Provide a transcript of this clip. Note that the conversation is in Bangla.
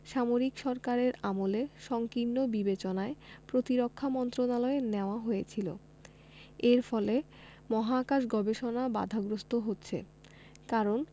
সামরিক সরকারের আমলে সংকীর্ণ বিবেচনায় প্রতিরক্ষা মন্ত্রণালয়ে নেওয়া হয়েছিল এর ফলে মহাকাশ গবেষণা বাধাগ্রস্ত হচ্ছে কারণ